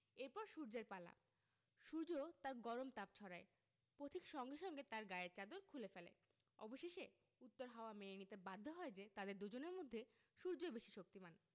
এর পর সূর্যের পালা সূর্য তার গরম তাপ ছড়ায় পথিক সঙ্গে সঙ্গে তার গায়ের চাদর খুলে ফেলে অবশেষে উত্তর হাওয়া মেনে নিতে বাধ্য হয় যে তাদের দুজনের মধ্যে সূর্যই বেশি শক্তিমান